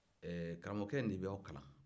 ee karamɔgɔkɛ in de bɛ aw kalan